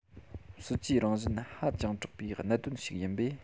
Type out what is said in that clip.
སྲིད ཇུས རང བཞིན ཧ ཅང དྲག པའི གནད དོན ཞིག ཡིན པས